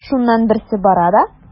Шуннан берсе бара да:.